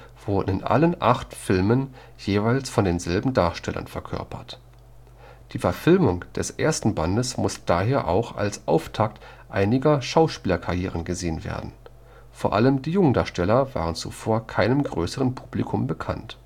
allen acht Filmen jeweils von denselben Darstellern verkörpert. Die Verfilmung des ersten Bandes muss daher auch als Auftakt einiger Schauspieler-Karrieren gesehen werden. Vor allem die Jungdarsteller waren zuvor keinem größeren Publikum bekannt